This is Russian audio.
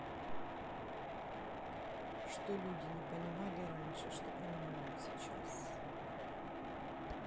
что люди не понимали раньше что понимают сейчас